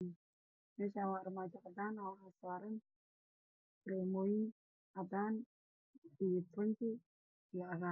Meshaan waa armaajo cadaan ah waxaa saran dhar madow ah